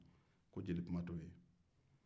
ko jelikuma to ye